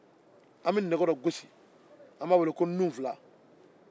an bɛ nɛgɛ dɔ gosi an bɛ min weele ko nunfila